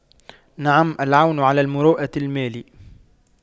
نعم العون على المروءة المال